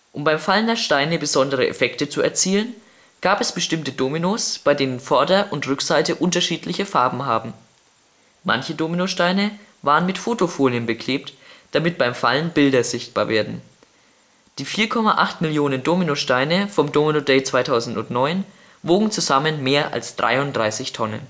Um beim Fallen der Steine besondere Effekte zu erzielen, gab es bestimmte Dominos, bei denen Vorder - und Rückseite unterschiedliche Farben haben. Manche Dominosteine waren mit Fotofolien beklebt, damit beim Fallen Bilder sichtbar werden. Die 4.800.000 Dominosteine vom Domino Day 2009 wogen zusammen mehr als 33 Tonnen